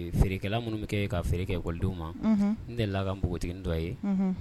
Feerekɛla minnu bɛ kɛ ka feere kɛkɔdenw ma n tɛ la ka npogotigi dɔ ye